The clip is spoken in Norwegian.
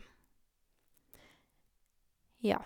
Ja.